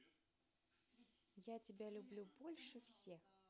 я тебя люблю больше всех